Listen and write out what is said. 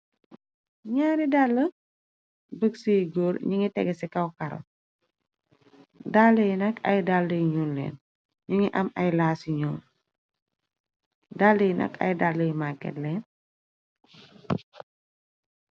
Naari daal boss yu gòor nungi tégé ci kaw karo. Daal yi nak ay daal yu ñuul leen nungi am ay last yu ñuul. Daal yi nak ay daal yi maget leen.